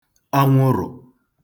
anwụrụ̀